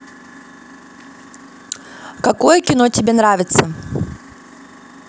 какое кино тебе нравится